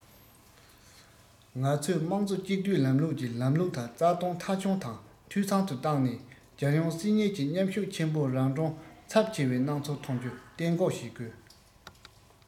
ང ཚོས དམངས གཙོ གཅིག སྡུད ལམ ལུགས ཀྱི ལམ ལུགས དང རྩ དོན མཐའ འཁྱོངས དང འཐུས ཚང དུ བཏང ནས རྒྱལ སྐྱོང སྲིད གཉེར གྱི མཉམ ཤུགས ཆེན པོ རང གྲོན ཚབས ཆེ བའི སྣང ཚུལ ཐོན རྒྱུ གཏན འགོག བྱེད དགོས